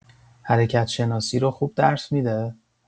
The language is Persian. حرکت‌شناسی رو خوب درس می‌ده؟